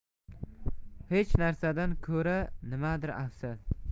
hech narsadan ko'ra nimadir afzal